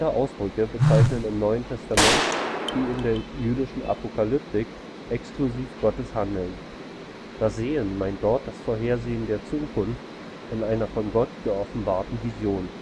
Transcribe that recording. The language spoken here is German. Ausdrücke bezeichnen im NT wie in der jüdischen Apokalyptik exklusiv Gottes Handeln. Das „ Sehen “meint dort das Vorhersehen der Zukunft in einer von Gott geoffenbarten „ Vision